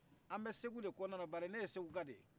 an bɛ segu de kɔnɔna la bari ne ye segu ka de ye